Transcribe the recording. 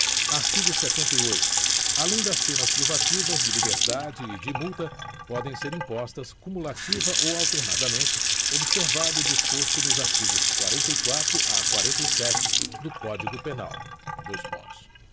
artigo setenta e oito além das penas privativas de liberdade e de multa podem ser impostas cumulativa ou alternadamente observado o disposto nos artigos quarenta e quatro a quarenta e sete do código penal dois pontos